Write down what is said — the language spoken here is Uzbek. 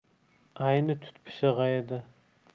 ayni tut pishig'i edi